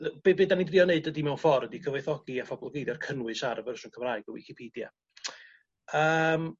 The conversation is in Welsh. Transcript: be' be' 'dan ni' drio neud ydi mewn ffor ydi cyfoethogi â phoblogeiddio'r cynnwys ar y fersiwn Cymraeg o Wicipedia. Yym